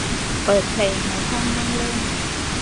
เปิดเพลงในห้องนั่งเล่น